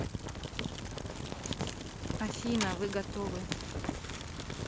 афина вы готовы